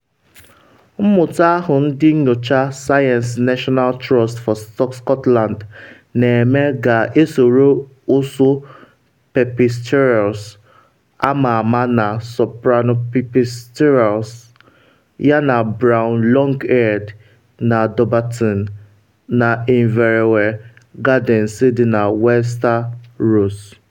Mmụta ahụ ndị nyocha sayensị National Trust for Scotland na-eme ga-esoro ụsụ pipistrelles ama ama na soprano pipistrelles yana brown long-eared na Daubenton na Inverewe Gardens dị na Wester Ross.